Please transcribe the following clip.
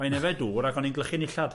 O' i'n yfed dŵr ag o'n i'n glychu'n illad.